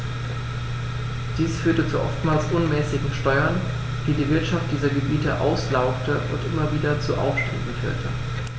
Dies führte zu oftmals unmäßigen Steuern, die die Wirtschaft dieser Gebiete auslaugte und immer wieder zu Aufständen führte.